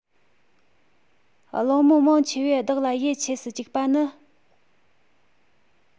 གླེང མོལ མང ཆེ བས བདག ལ ཡིད ཆེས སུ བཅུག པ ནི